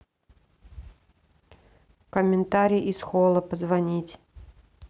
комментарий из холла позвонить